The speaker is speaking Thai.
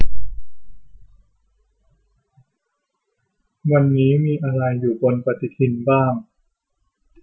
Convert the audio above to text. วันนี้มีอะไรอยู่บนปฎิทินบ้าง